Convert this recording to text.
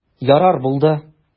Ярар, булды.